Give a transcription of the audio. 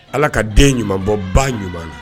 Ala ka den ɲumanbɔ ba ɲuman na